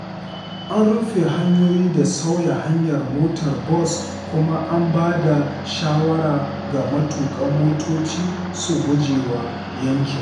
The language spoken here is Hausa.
An rufe hanyoyi da sauya hanyar motar bos kuma an ba da shawara ga matukan motoci su guje wa yankin.